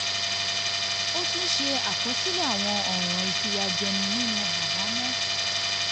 Ó tún ṣe àkọsílẹ̀ àwọn ọ̀ràn ìfìyàjẹni nínú àhámọ́.